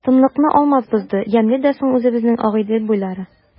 Тынлыкны Алмаз бозды:— Ямьле дә соң үзебезнең Агыйдел буйлары!